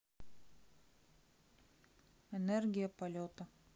энергия полета